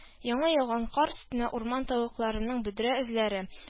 Яңа яуган кар өстенә урман тавыкларының бөдрә эзләре